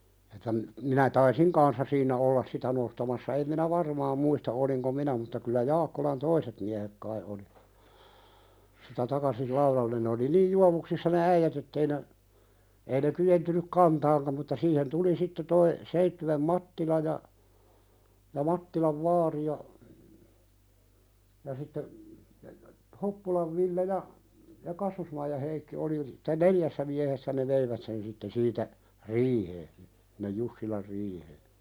että - minä taisin kanssa siinä olla sitä nostamassa en minä varmaan muista olinko minä mutta kyllä Jaakkolan toiset miehet kai oli sitä takaisin laudalle ne oli niin juovuksissa ne äijät että ei ne ei ne kyenneet kantamaankaan mutta siihen tuli sitten tuo Seitsiön Mattila ja ja Mattilan vaari ja ja sitten Hoppulan Ville ja Kassusmaijan Heikki oli että neljässä miehessä ne veivät sen sitten siitä riiheen sinne Jussilan riiheen